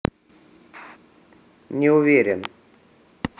не уверен